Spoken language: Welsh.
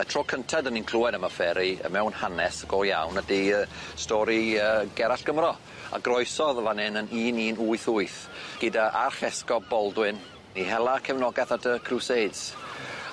Y tro cynta' 'dyn ni'n clywed am y fferi yy mewn hanes go iawn ydi yy stori yy Gerallt Gymro a groesodd o fan 'yn yn un un wyth wyth gyda Arch Esgob Baldwin i hela cefnogath at y Crusades.